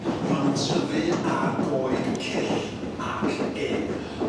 Ma' nw'n tyfu ar goed cyll ac ynn.